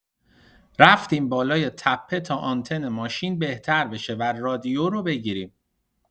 رفتیم بالای تپه تا آنتن ماشین بهتر بشه و رادیو رو بگیریم.